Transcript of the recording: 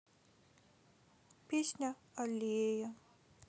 песня аллея